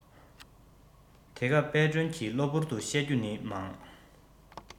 དེ སྐབས དཔལ སྒྲོན གྱི གློ བུར དུ བཤད རྒྱུ ནི མང